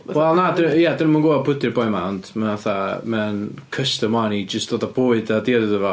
Wel, na d- ia, dyn nhw'm yn gwbod pwy ydy'r boi 'ma ond mae o fatha... mae o'n custom 'wan i jyst dod â bwyd a diod iddo fo.